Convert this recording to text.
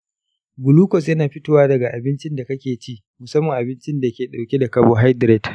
glucose yana fitowa daga abincin da kake ci, musamman abincin da ke dauke da carbohydrate.